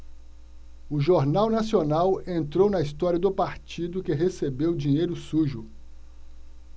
o jornal nacional entrou na história do partido que recebeu dinheiro sujo